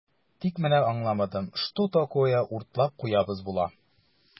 Тик менә аңламадым, что такое "уртлап куябыз" була?